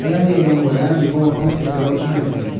ela e o namorado vão a portugal de navio